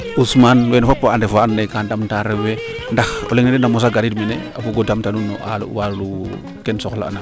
Ousmane weene fop a ndef waa ando naye ga ndamta wiin we nda o leŋ leŋ a mosa ngariid mene a bugo damta nuun walu no keen soxla na